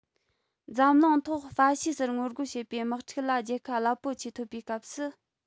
འཛམ གླིང ཐོག ཧྥ ཤི སིར ངོ རྒོལ བྱེད པའི དམག འཁྲུག ལ རྒྱལ ཁ རླབས པོ ཆེ ཐོབ པའི སྐབས སུ